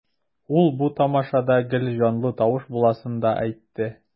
Ул бу тамашада гел җанлы тавыш буласын да әйтте.